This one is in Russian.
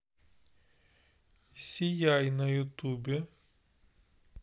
сияй на ютубе